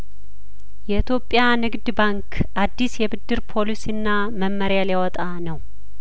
የኢትዮጵያ ንግድ ባንክ አዲስ የብድር ፖሊሲና መመሪያሊያወጣ ነው